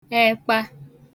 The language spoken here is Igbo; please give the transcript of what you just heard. ekpa